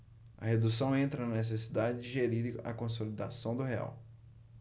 a redução entra na necessidade de gerir a consolidação do real